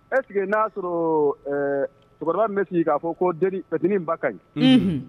Ɛseke na'a sɔrɔ cɛkɔrɔba bɛ sigi k'a fɔ kotin ba ka ɲi